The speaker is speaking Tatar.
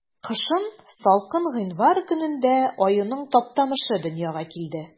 Кышын, салкын гыйнвар көнендә, аюның Таптамышы дөньяга килде.